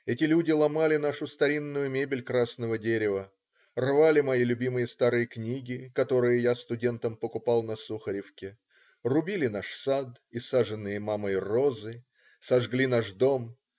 Эти люди ломали нашу старинную мебель красного дерева, рвали мои любимые старые книги, которые я студентом покупал на Сухаревке, рубили наш сад и саженные мамой розы, сожгли наш дом.